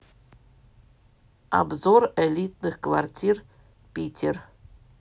обзор элитных квартир питер